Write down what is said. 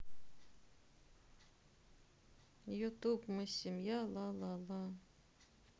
ютуб мы семья ла ла ла